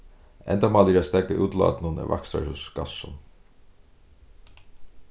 endamálið er at steðga útlátinum av vakstrarhúsgassum